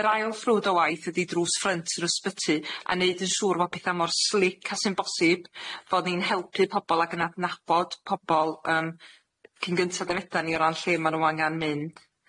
Yr ail ffrwd o waith ydi drws ffrynt i'r ysbyty a neud yn siŵr ma' petha mor slick a sy'n bosib fod ni'n helpu pobol ac yn adnabod pobol, yym cyn gynta dy fedan ni o ran lle ma' nw angan mynd.